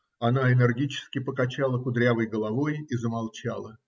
Она энергически покачала кудрявой головой и замолчала.